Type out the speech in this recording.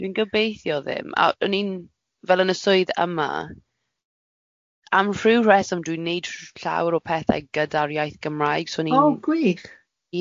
Dwi'n gobeithio ddim, a o'n i'n fel yn y swydd yma, am rhyw rheswm dwi'n wneud r- llawer o pethau gyda'r iaith Gymraeg, so o'n i'n... O gwych!